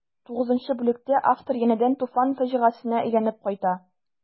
Тугызынчы бүлектә автор янәдән Туфан фаҗигасенә әйләнеп кайта.